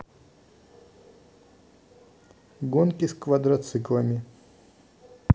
гонки с квадроциклами